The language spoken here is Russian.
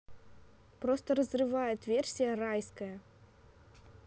просто разрывает версия райская